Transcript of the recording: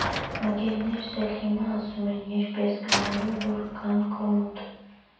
Ընկերներս էլ հիմա ասում են՝ երբ ես գնալու, որ գանք քո մոտ։